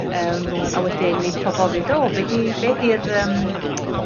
Yym a wedyn neith pobol fynd o be' 'di be' 'di'r yym